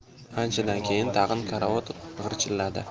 anchadan keyin tag'in karavot g'irchilladi